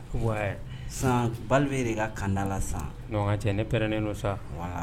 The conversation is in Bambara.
San bɛ de ka kanda la san ɲɔgɔn cɛ ne pɛnen nɔ sa